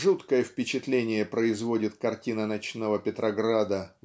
Жуткое впечатление производит картина ночного Петрограда